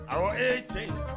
Ayiwa e ye tiɲɛ ye